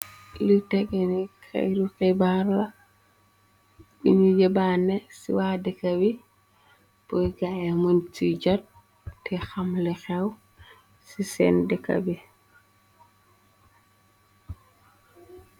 Lu tegeni xeyru xibaar la binuy yeban ne ci waa deka bi boy gaayé muñ ci jot te xamli xew ci seen deka bi.